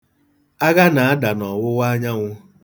Agha na-ada n'ọwụwaanyanwụ